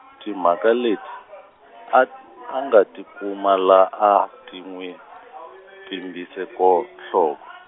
timhaka leti, a, a nga ti kuma la, a ti nwi pfimbise ko- nhloko.